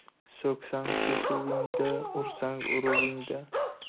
so'ksang so'kuvingda ursang uruvingda